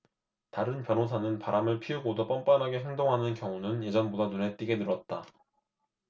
다른 변호사는 바람을 피우고도 뻔뻔하게 행동하는 경우는 예전보다 눈에 띄게 늘었다